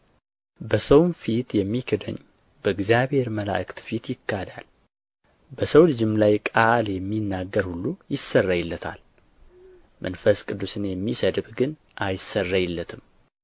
በሰውም ፊት የሚክደኝ በእግዚአብሔር መላእክት ፊት ይካዳል በሰው ልጅም ላይ ቃል የሚናገር ሁሉ ይሰረይለታል መንፈስ ቅዱስን የሚሰድብ ግን አይሰረይለትም